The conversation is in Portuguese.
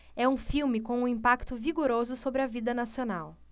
é um filme com um impacto vigoroso sobre a vida nacional